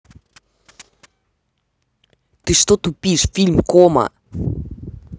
ты что тупишь фильм кома